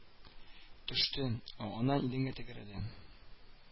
Төште, ә аннан идәнгә тәгәрәде